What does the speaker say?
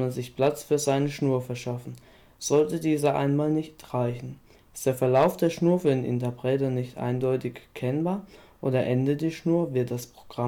sich Platz für seine Schnur verschaffen, sollte dieser einmal nicht reichen. Ist der Verlauf der Schnur für den Interpreter nicht eindeutig erkennbar oder endet die Schnur, wird das Programm beendet